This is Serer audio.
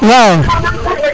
waaw